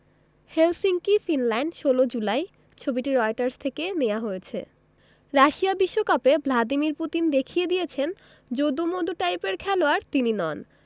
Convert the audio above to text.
Helsinki Finland ১৬ July ছবিটি Reuters থেকে নেয়া হয়েছে রাশিয়া বিশ্বকাপে ভ্লাদিমির পুতিন দেখিয়ে দিয়েছেন যদু মধু টাইপের খেলোয়াড় তিনি নন